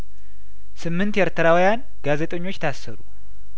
ስምንት ኤርትራውያን ጋዜጠኞች ታሰሩ